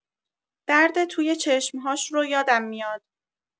درد توی چشم‌هاش رو یادم می‌آد.